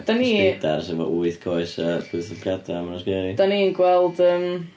Dan ni... Mae spiders efo wyth coes a llwyth o llygadau, a maen nhw'n scary...Dan ni'n gweld, yym...